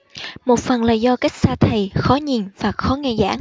một phần là do cách xa thầy khó nhìn khó nghe giảng